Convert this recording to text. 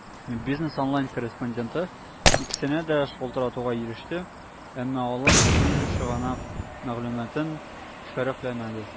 "бизнес online" корреспонденты икесенә дә шалтыратуга иреште, әмма алар безнең чыганак мәгълүматын шәрехләмәде.